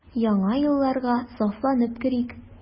Яңа елларга сафланып керик.